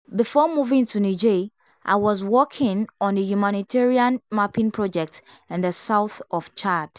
Before moving to Niger, I was working on a humanitarian mapping project in the South of Chad.